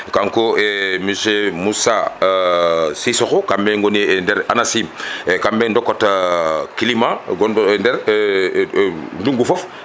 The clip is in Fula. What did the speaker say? kanko e monsieur Moussa Cissokho kamɓe goni e nder ANACIM eyyi kamɓe dokkata climat gonɗo e nder ndungu foof